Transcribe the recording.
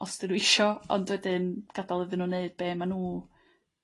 os 'dyn nhw isio, ond wedyn gada'l iddyn nhw wneud be' ma'n nhw